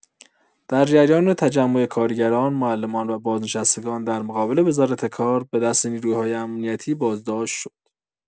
در جریان تجمع کارگران، معلمان و بازنشستگان در مقابل وزارت کار، به دست نیروهای امنیتی بازداشت شد.